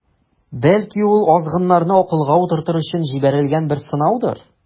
Бәлки, ул азгыннарны акылга утыртыр өчен җибәрелгән бер сынаудыр.